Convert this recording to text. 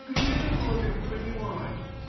— Где, владыко, понимать!